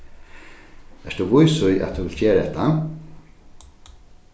ert tú vís í at tú vilt gera hetta